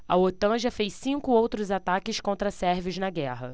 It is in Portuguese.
a otan já fez cinco outros ataques contra sérvios na guerra